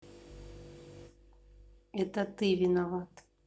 это ты виноват